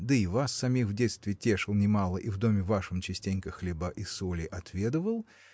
да и вас самих в детстве тешил немало и в доме вашем частенько хлеба и соли отведывал